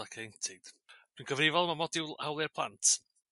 ac ieuenctid. Dwi'n gyfrifol am y modiwl hawlia' plant.